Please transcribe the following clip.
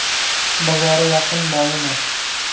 bozori yaqin boyimas